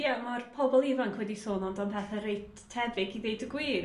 Ie ma' pobol ifanc wedi sôn amdan pethe reit tebyg i ddeud y gwir